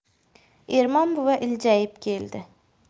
ermon buva iljayib keldi